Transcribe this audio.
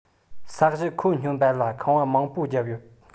ས གཞི ཁོད སྙོམས པ ལ ཁང པ མང པོ བརྒྱབ ཡོད